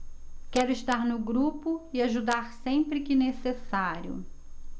quero estar no grupo e ajudar sempre que necessário